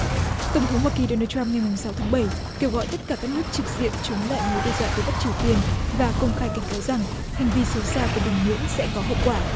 tổng thống hoa kỳ đô na trăm ngày mùng sáu tháng bảy kêu gọi tất cả các nước trực diện chống lại mối đe dọa từ bắc triều tiên và công khai cảnh cáo rằng hành vi xấu xa của bình nhưỡng sẽ có hậu quả